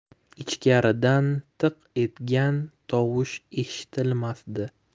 ichkaridan tiq etgan tovush eshitilmasdi